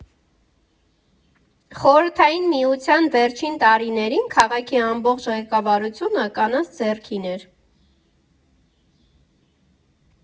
Խորհրդային Միության վերջին տարիներին քաղաքի ամբողջ ղեկավարությունը կանանց ձեռքին էր։